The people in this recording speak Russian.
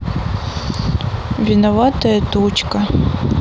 виноватая тучка